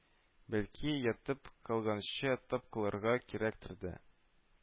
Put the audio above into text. Бәлки, ятып калганчы атып калырга кирәктер дә